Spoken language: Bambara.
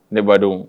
Ne ba don